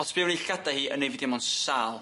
O' sbio miwn i llada hi yn neud fi deimlo'n sâl.